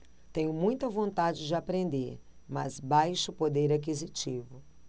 tenho muita vontade de aprender mas baixo poder aquisitivo